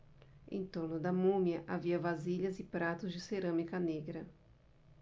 em torno da múmia havia vasilhas e pratos de cerâmica negra